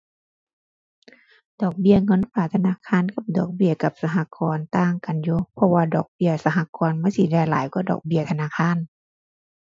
ดอกเบี้ยเงินฝากธนาคารกับดอกเบี้ยกับสหกรณ์ต่างกันอยู่ เพราะว่าดอกเบี้ยสหกรณ์มันสิได้หลายกว่าดอกเบี้ยธนาคาร